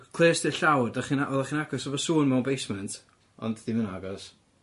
So clust i'r llawr 'dach chi'n a- oddach chi'n agos efo sŵn mewn basement ond dim yn agos.